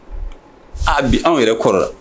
A bi an yɛrɛ kɔrɔ la